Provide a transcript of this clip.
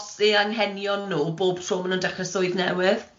eu anghenion nhw bob tro maen nhw'n dechre swydd newydd.